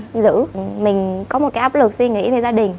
dữ mình có một cái áp lực suy nghĩ về gia đình